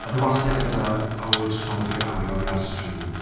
Oedd e wastad gyda old Tom, Dick, and Harry oddi ar y stryd.